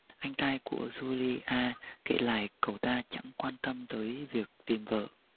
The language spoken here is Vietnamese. anh trai của yulia kể lại cậu ta chẳng quan tâm tới việc tìm vợ